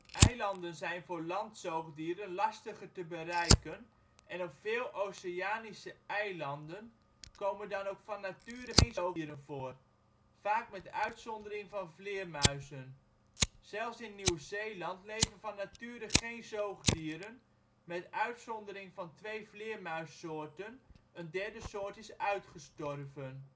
Eilanden zijn voor landzoogdieren lastiger te bereiken, en op veel oceanische eilanden komen dan ook van nature geen zoogdieren voor, vaak met uitzondering van vleermuizen. Zelfs in Nieuw-Zeeland leven van nature geen zoogdieren, met uitzondering van twee vleermuissoorten (een derde soort is uitgestorven